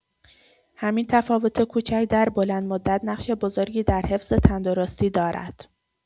همین تفاوت کوچک، در بلندمدت نقش بزرگی در حفظ تندرستی دارد.